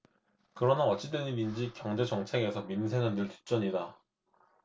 그러나 어찌된 일인지 경제정책에서 민생은 늘 뒷전이다